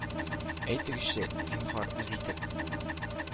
Әйтегезче, зинһар, үз итеп,